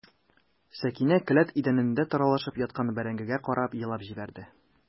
Сәкинә келәт идәнендә таралышып яткан бәрәңгегә карап елап җибәрде.